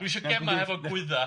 Dwi isio gema efo gwydda.